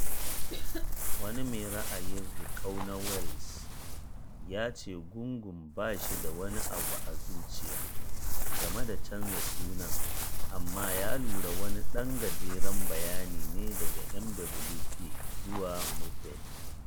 Wani mai ra’ayin riƙau na Welsh ya ce gungun “ba shi da wani abu a zuciya” game da canza sunan, amma ya lura wani ɗan gajeren bayani ne daga MWP zuwa Muppet.